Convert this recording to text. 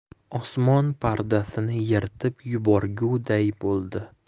osmon pardasini yirtib yuborguday bo'ldi